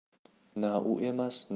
na u emas